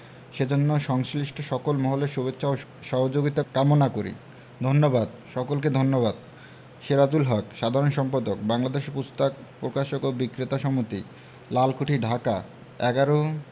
সেজন্য সংশ্লিষ্ট সকল মহলের শুভেচ্ছা ও সহযোগিতা কামনা করি ধন্যবাদ সকলকে ধন্যবাদ সেরাজুল হক সাধারণ সম্পাদক বাংলাদেশ পুস্তক প্রকাশক ও বিক্রেতা সমিতি লালকুঠি ঢাকা ১১